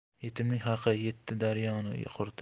yetimning haqi yetti daryoni quritar